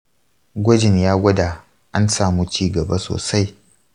gwajin ya gwada an samu cigaba sosai.